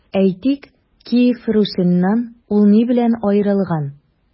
Әйтик, Киев Русеннан ул ни белән аерылган?